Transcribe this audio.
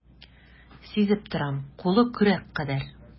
Сизеп торам, кулы көрәк кадәр.